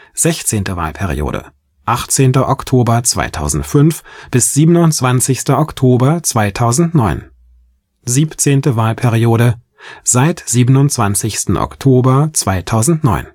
16. Wahlperiode: 18. Oktober 2005 – 27. Oktober 2009 17. Wahlperiode: seit 27. Oktober 2009